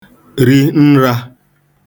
ri nrā